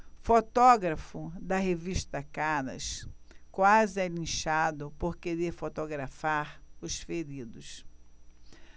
fotógrafo da revista caras quase é linchado por querer fotografar os feridos